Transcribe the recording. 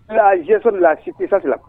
Wala jiso la ki la